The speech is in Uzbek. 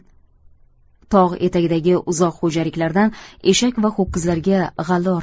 tog' etagidagi uzoq xo'jaliklardan eshak va ho'kizlarga g'alla ortib